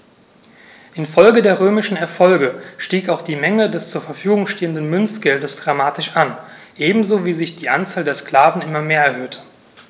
Infolge der römischen Erfolge stieg auch die Menge des zur Verfügung stehenden Münzgeldes dramatisch an, ebenso wie sich die Anzahl der Sklaven immer mehr erhöhte.